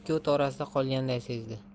ikki o't orasida qolganday sezdi